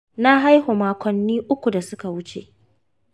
na haihu makonni uku da suka wuce